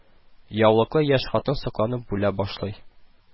Яулыклы яшь хатын сокланып бүлә башлый